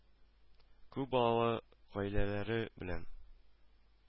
Күп балалы гаиләләре белән